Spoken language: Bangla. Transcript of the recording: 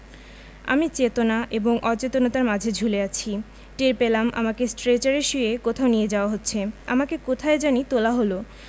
আমি চেতনা এবং অচেতনার মাঝে ঝুলে আছি টের পেলাম আমাকে স্ট্রেচারে শুইয়ে কোথাও নিয়ে যাওয়া হচ্ছে আমাকে কোথায় জানি তোলা হলো